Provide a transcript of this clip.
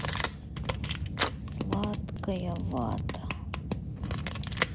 сладкая вата